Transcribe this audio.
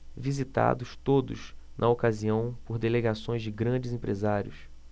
visitados todos na ocasião por delegações de grandes empresários